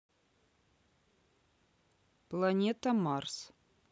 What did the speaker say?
планета марс